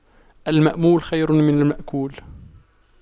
المأمول خير من المأكول